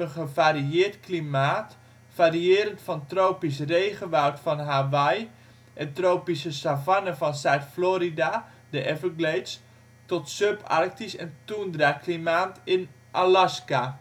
gevarieerd klimaat, variërend van tropisch regenwoud van Hawaï en tropische savanne van Zuid-Florida (Everglades) tot subarctisch en toendraklimaat in Alaska